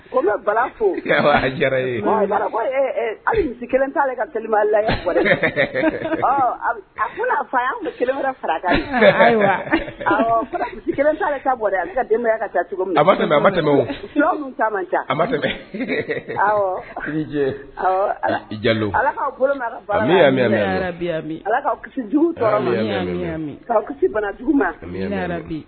Ko bala fo a fa